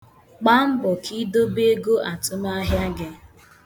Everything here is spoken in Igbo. Gbaa mbọ ka ị dobe ego atụmahịa gị.